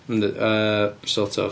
Yndi yy sort of.